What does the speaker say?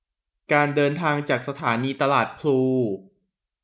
การเดินทางจากสถานีตลาดพลู